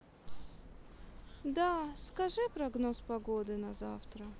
да скажи прогноз погоды на завтра